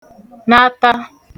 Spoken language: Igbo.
-nata